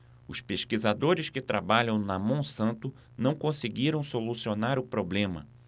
os pesquisadores que trabalham na monsanto não conseguiram solucionar o problema